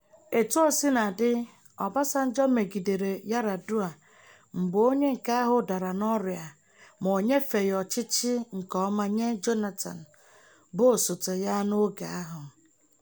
Etuosinadị, Obasanjo megidere Yar'Adua mgbe onye nke ahụ dara n'ọrịa ma o nyefeghị ọchịchị nke ọma nye Jonathan, bụ osote ya n'oge ahụ.